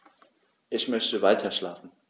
Ich möchte weiterschlafen.